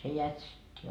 se jätsittiin